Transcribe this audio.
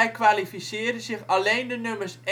kwalificeren zich alleen de nummers